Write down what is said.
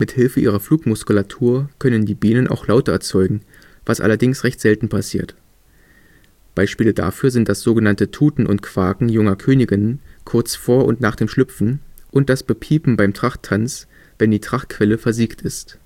Hilfe ihrer Flugmuskulatur können die Bienen auch Laute erzeugen, was allerdings recht selten passiert. Beispiele dafür sind das sogenannte Tuten und Quaken junger Königinnen kurz vor und nach dem Schlüpfen und das „ Bepiepen “beim Trachttanz, wenn die Trachtquelle versiegt ist